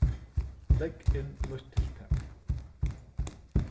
legg inn nýtt tiltak